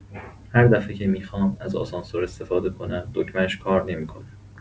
هر دفعه که می‌خوام از آسانسور استفاده کنم، دگمه‌اش کار نمی‌کنه!